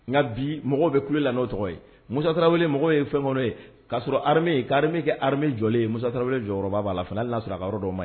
Nka bi mɔgɔw bɛ kule la n'o tɔgɔ ye Musa Tarawele mɔgɔw ye fɛn fɔ ne ye k'a sɔrɔ armée ka armée kɛ armée jɔlen ye Musa Trawele jɔyɔrɔba b'a la hali n'a y'a sɔrɔ a ka yɔrɔ dɔw ma